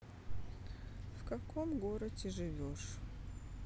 в каком городе живешь